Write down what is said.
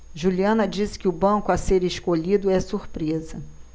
juliana disse que o banco a ser escolhido é surpresa